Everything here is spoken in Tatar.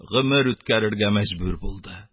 Гомер үткәрергә мәҗбүр булды...